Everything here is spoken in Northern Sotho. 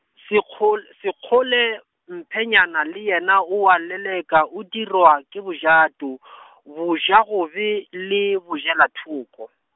Sekgol-, Sekgole Mphonyana le yena oa leleka o dirwa ke bojato , bojagobe le bojelathoko.